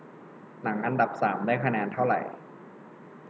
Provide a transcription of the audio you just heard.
หนังอันดับสามได้คะแนนเท่าไหร่